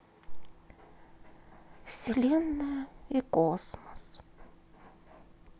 вселенная и космос